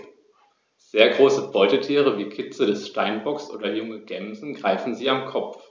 Sehr große Beutetiere wie Kitze des Steinbocks oder junge Gämsen greifen sie am Kopf.